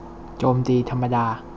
โจมตีธรรมดา